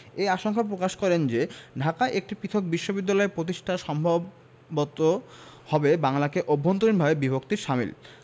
এ আশঙ্কা প্রকাশ করেন যে ঢাকায় একটি পৃথক বিশ্ববিদ্যালয় প্রতিষ্ঠা সম্ভবত হবে বাংলাকে অভ্যন্তরীণভাবে বিভক্তির শামিল